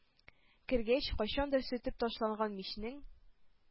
Кергәч, кайчандыр сүтеп ташланган мичнең